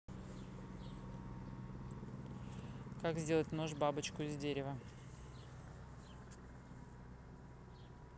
как сделать нож бабочку из дерева